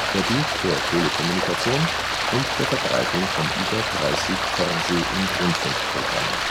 Er dient der Telekommunikation und der Verbreitung von über 30 Fernseh - und Rundfunkprogrammen